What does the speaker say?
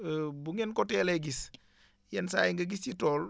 bu ngeen ko teelee gis yenn saa yi nga gis si tool